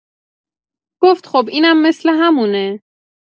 گفت: «خب اینم مثل همونه.»